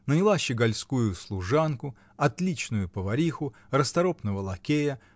наняла щегольскую служанку, отличную повариху, расторопного лакея